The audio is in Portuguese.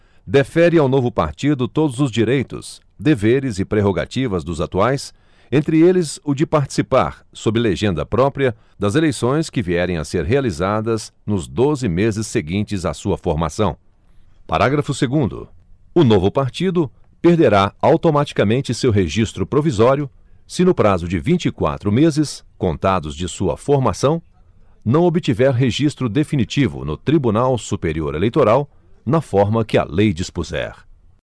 defere ao novo partido todos os direitos deveres e prerrogativas dos atuais entre eles o de participar sob legenda própria das eleições que vierem a ser realizadas nos doze meses seguintes a sua formação parágrafo segundo o novo partido perderá automaticamente seu registro provisório se no prazo de vinte e quatro meses contados de sua formação não obtiver registro definitivo no tribunal superior eleitoral na forma que a lei dispuser